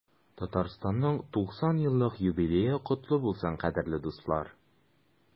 Татарстанның 90 еллык юбилее котлы булсын, кадерле дуслар!